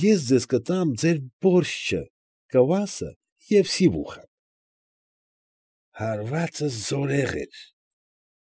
Ես ձեզ կտամ ձեր բորշչը, կվասը և սիվուխան… Հարվածս զորեղ էր։